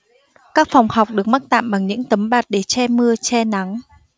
các phòng học được mắc tạm bằng những tấm bạt để che mưa che nắng